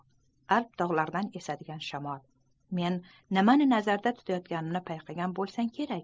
alp toglaridan esadigan shamol men nimani nazarda tutayotganimni payqagan bolsang kerak